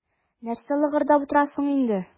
Нәрсә лыгырдап утырасың инде.